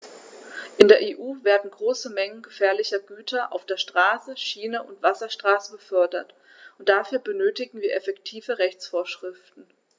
In der EU werden große Mengen gefährlicher Güter auf der Straße, Schiene und Wasserstraße befördert, und dafür benötigen wir effektive Rechtsvorschriften.